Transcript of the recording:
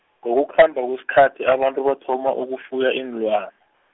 ngokukhamba kwesikhathi abantu bathoma ukufuya iinlwa-.